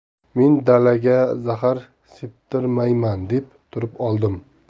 men dalaga zahar septirmayman deb turib oldim